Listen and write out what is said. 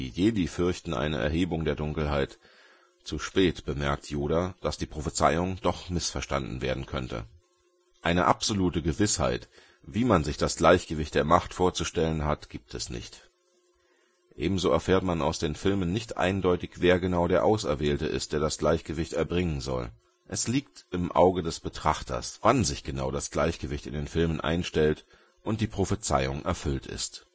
Jedi fürchten eine Erhebung der Dunkelheit. Spät bemerkt Yoda, dass die Prophezeiung doch missverstanden werden könnte. Eine absolute Gewissheit, wie man sich das Gleichgewicht der Macht vorzustellen hat, gibt es nicht. Ebenso erfährt man aus den Filmen nicht eindeutig wer genau der Auserwählte ist, der das Gleichgewicht erbringen soll. Es liegt im Auge des Betrachters, wann sich genau das Gleichgewicht in den Filmen einstellt und die Prophezeiung erfüllt ist